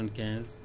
six cent